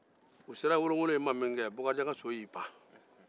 u sera wonofolon in min kɛ bakarijan ka so y'i pan